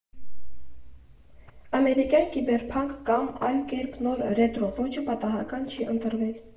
Ամերիկյան կիբերփանկ կամ, այլ կերպ՝ նոր ռետրո ոճը պատահական չի ընտրվել։